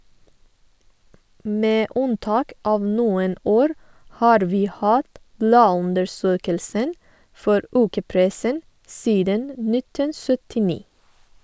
Med unntak av noen år har vi hatt bladundersøkelsen for ukepressen siden 1979.